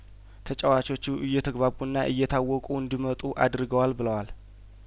ተጫዋቾቹ እየተግባቡና እየታወቁ እንዲመጡ አድርገዋል ብለዋል